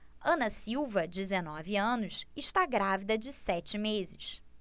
ana silva dezenove anos está grávida de sete meses